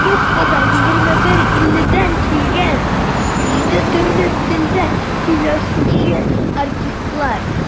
Труппада - 21 илдән килгән, җиде төрле телдә сөйләшүче артистлар.